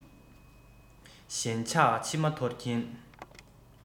ཞེན ཆགས མཆི མ འཐོར གྱིན